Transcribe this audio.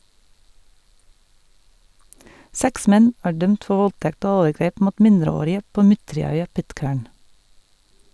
Seks menn er dømt for voldtekt og overgrep mot mindreårige på mytteri-øya Pitcairn.